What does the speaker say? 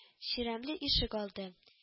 Чирәмле ишегалды